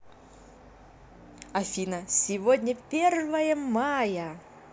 афина сегодня первое мая